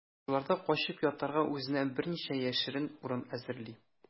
Шуларда качып ятарга үзенә берничә яшерен урын әзерли.